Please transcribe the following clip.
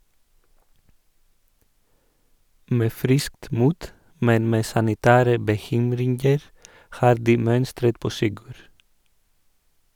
Med friskt mot, men med sanitære bekymringer, har de mønstret på "Sigurd".